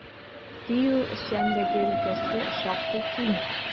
ТИҮ эшчәнлеге өлкәсе шактый киң.